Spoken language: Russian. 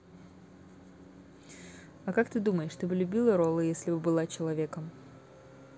а как ты думаешь ты бы любила роллы если бы была человеком